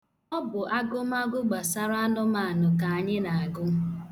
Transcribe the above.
Ọ bụ agụmagụ gbasara anụmanụ ka anyị na-agụ.